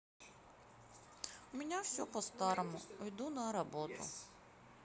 у меня все по старому уйду на работу